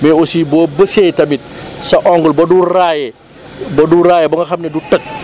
mais aussi boo bësee tamit sa ongle ba du raillé ba du raillé ba nga xam ne du toj